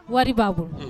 Wari b'a bolo